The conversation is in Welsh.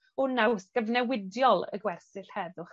o naws gyfnewidiol y gwersyll heddwch.